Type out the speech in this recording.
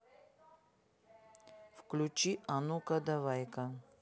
включи а ну ка давай ка